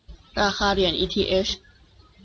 ราคาเหรียญอีทีเฮช